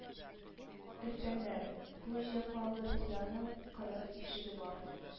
Өлкәннәр: «Бу җәфалы дөньяның кырык ишеге бар,